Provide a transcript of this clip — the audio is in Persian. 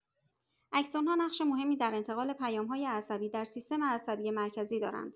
اکسون‌ها نقش مهمی در انتقال پیام‌های عصبی در سیستم عصبی مرکزی دارند.